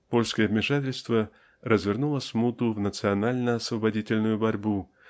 Польское вмешательство развернуло смуту в национально-освободительную борьбу